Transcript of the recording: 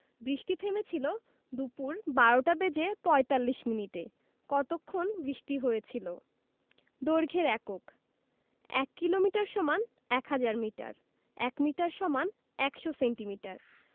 বৃষ্টি থেমেছিল দুপুর ১২টা বেজে ৪৫ মিনিটে কতক্ষণ বৃষ্টি হয়েছিল দৈর্ঘ্যের এককঃ ১ কিলোমিটার = ১০০০ মিটার ১ মিটার = ১০০ সেন্টিমিটার